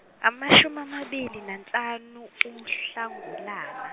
amashumi amabili nanhlanu kuNhlangulana.